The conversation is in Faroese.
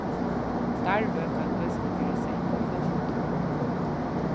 starvið kann eisini verða sett til hálva tíð